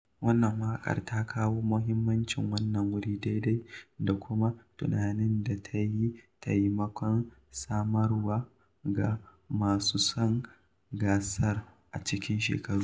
Wannan waƙar ta kawo muhimmancin wannan wurin daidai, da kuma tunanin da ta yi taimakon samarwa ga masu son gasar a cikin shekaru.